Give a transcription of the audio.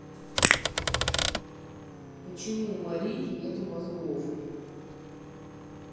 почему у марики нету мозгов